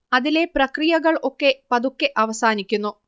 അതിലെ പ്രക്രിയകൾ ഒക്കെ പതുക്കെ അവസാനിക്കുന്നു